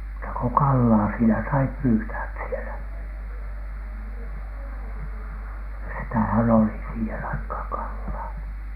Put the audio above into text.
muuta kuin kalaa siinä sai pyytää siellä ja sitähän oli siihen aikaan kalaa